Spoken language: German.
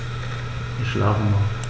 Ich schlafe noch.